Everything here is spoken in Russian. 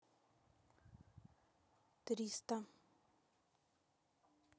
триста